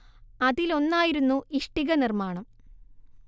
അതിലൊന്നായിരുന്നു ഇഷ്ടിക നിർമ്മാണം